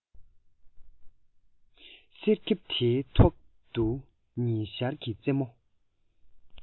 གསེར ཁེབས དེའི ཐོག ཏུ ཉི ཤར གྱི རྩེ མོ